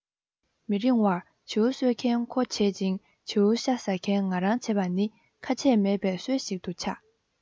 མི རིང བར བྱིའུ གསོད མཁན ཁོ བྱེད ཅིང བྱིའུ ཤ ཟ མཁན ང རང བྱེད པ ནི ཁ ཆད མེད པའི སྲོལ ཞིག ཏུ ཆགས